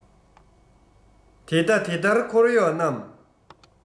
དེ ལྟ དེ ལྟར འཁོར གཡོག རྣམས